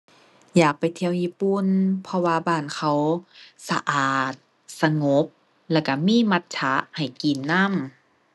อยากไปเที่ยวญี่ปุ่น เพราะว่าบ้านเขาสะอาด สงบ แล้วก็มีมัตจะให้กินนำ